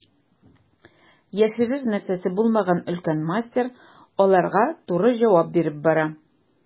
Яшерер нәрсәсе булмаган өлкән мастер аларга туры җавап биреп бара.